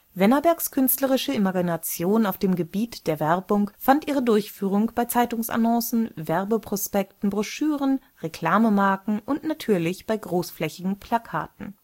Wennerbergs künstlerische Imagination auf dem Gebiet der Werbung fand ihre Durchführung bei Zeitungsannoncen, Werbeprospekten, Broschüren, Reklamemarken und natürlich bei großflächigen Plakaten